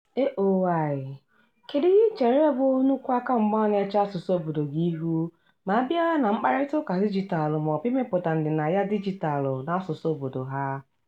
(AOY): Kedu ihe i chere bụ nnukwu akamgba na-eche asụsụ obodo gị ihu ma a bịa na mkparịtaụka dijitaalụ maọbụ imepụta ndịnaya dijitaalụ n'asụsụ obodo ha?